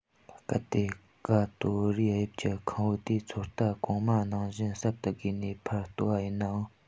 གལ ཏེ ཀ ཏོ རའི དབྱིབས ཀྱི ཁུང བུ དེ ཚོད ལྟ གོང མ ནང བཞིན ཟབ ཏུ བརྐོས ན ཕར རྟོལ བ ཡིན ནའང